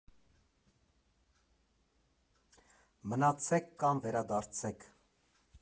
Մնացեք կամ վերադարձեք։